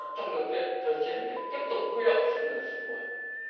trong điều kiện thời chiến để tiếp tục huy động sức người sức của